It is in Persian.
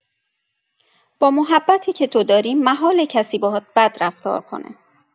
با محبتی که توداری، محاله کسی باهات بد رفتار کنه.